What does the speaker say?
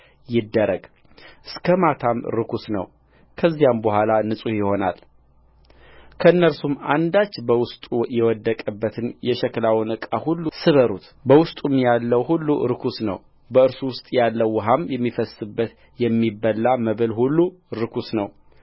ይደረግ እስከ ማታም ርኩስ ነው ከዚያም በኋላ ንጹሕ ይሆናልከእነርሱም አንዳች በውስጡ የወደቀበትን የሸክላውን ዕቃ ሁሉ ስበሩት በውስጡም ያለው ሁሉ ርኩስ ነውበእርሱ ውስጥ ያለው ውኃም የሚፈስስበት የሚበላ መብል ሁሉ ርኩስ ነው